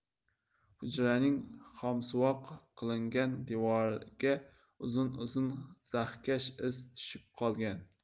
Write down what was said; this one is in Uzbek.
hujraning xomsuvoq qilingan devoriga uzun uzun zahkash iz tushib qolgan